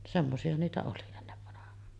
semmoisia niitä oli ennen vanhaan